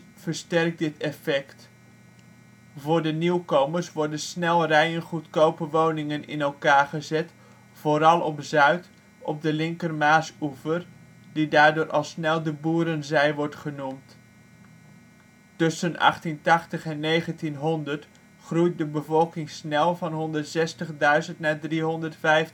dit effect. Voor de nieuwkomers worden snel rijen goedkope woningen in elkaar gezet, vooral op zuid, op de linker-Maasoever, die daardoor al snel de boerenzij wordt genoemd. Tussen 1880 en 1900 groeit de bevolking snel van 160.000 naar 315.000